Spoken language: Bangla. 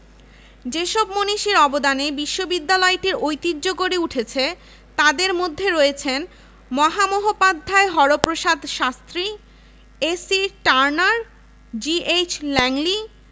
যেসব মনীষীর অবদানে বিশ্ববিদ্যালয়টির ঐতিহ্য গড়ে উঠেছে তাঁদের মধ্যে রয়েছেন মহামহোপাধ্যায় Haraprasad Shastri A C Turner G H Langley